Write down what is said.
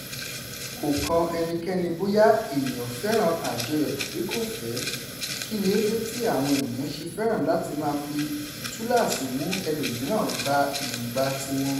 Kò kan ẹnikéni bóyá èèyàn féràn àjọyọ̀ tàbí kò fẹ́, kí ni ó dé tí àwọn ènìyàn ṣe fẹ́ràn láti máa fi túláàsì mú ẹlòmíràn gba èròńgbà ti wọn?